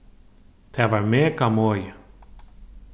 tað var mega moðið